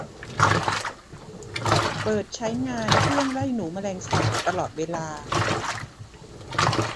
เปิดใช้งานเครื่องไล่หนูแมลงสาบตลอดเวลา